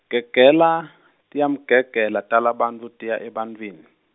Gegela tiyamgegela, tala bantfu tiye ebantfwini.